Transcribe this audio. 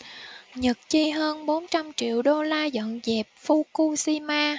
nhật chi hơn bốn trăm triệu đô la dọn dẹp fukushima